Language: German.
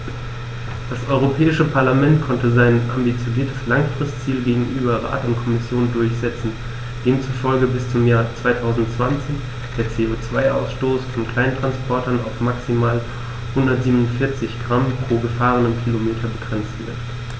Das Europäische Parlament konnte sein ambitioniertes Langfristziel gegenüber Rat und Kommission durchsetzen, demzufolge bis zum Jahr 2020 der CO2-Ausstoß von Kleinsttransportern auf maximal 147 Gramm pro gefahrenem Kilometer begrenzt wird.